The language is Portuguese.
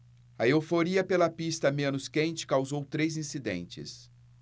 a euforia pela pista menos quente causou três incidentes